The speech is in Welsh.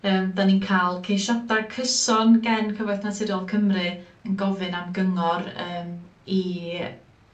yym 'dan ni'n ca'l ceisiada cyson gen Cyfoeth Naturiol Cymru yn gofyn am gyngor yym i